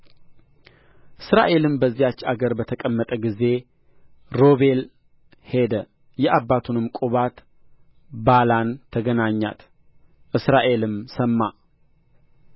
እስራኤልም በዚያች አገር በተቀመጠ ጊዜ ሮቤል ሄደ የአባቱንም ቁባት ባላን ተገናኛት እስራኤልም ሰማ